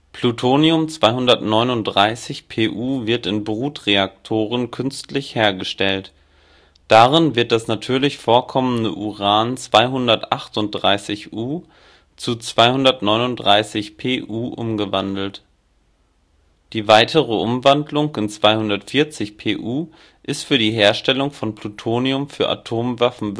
Plutonium 239Pu wird in Brutreaktoren künstlich hergestellt. Darin wird das natürlich vorkommende Uran 238U entsprechend der weiter unten im Text dargestellten Formel durch Neutronenbeschuss zu 239Pu umgewandelt. Die weitere Umwandlung in 240Pu ist für die Herstellung von Plutonium für Atomwaffen